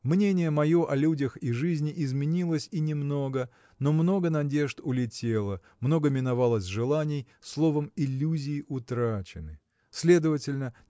мнение мое о людях и жизни изменилось и немного но много надежд улетело много миновалось желаний словом иллюзии утрачены следовательно